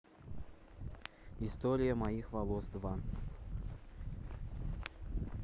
история моих волос два